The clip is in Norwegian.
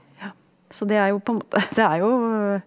ja, så det er jo på en måte det er jo.